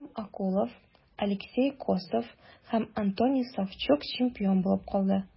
Артем Окулов, Алексей Косов һәм Антоний Савчук чемпион булып калды.